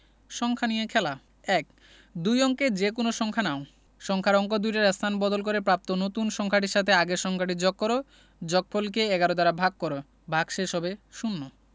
সংখ্যা নিয়ে খেলা ১ দুই অঙ্কের যেকোনো সংখ্যা নাও সংখ্যার অঙ্ক দুইটার স্থান বদল করে প্রাপ্ত নতুন সংখ্যাটির সাথে আগের সংখ্যাটি যগ কর যোগফল কে ১১ দ্বারা ভাগ কর ভাগশেষ হবে শূন্য